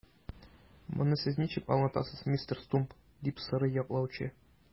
Моны сез ничек аңлатасыз, мистер Стумп? - дип сорый яклаучы.